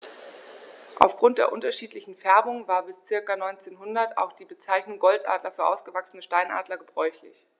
Auf Grund der unterschiedlichen Färbung war bis ca. 1900 auch die Bezeichnung Goldadler für ausgewachsene Steinadler gebräuchlich.